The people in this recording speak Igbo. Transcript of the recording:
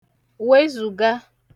wezùga